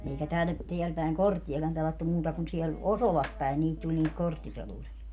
eikä - täällä päin korttiakaan pelattu muuta kuin siellä Osolassa päin niitä tuli niitä korttipelureita